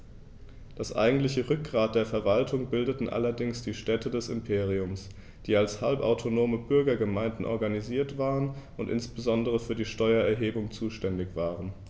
Das eigentliche Rückgrat der Verwaltung bildeten allerdings die Städte des Imperiums, die als halbautonome Bürgergemeinden organisiert waren und insbesondere für die Steuererhebung zuständig waren.